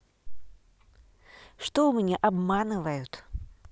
что у меня обманывают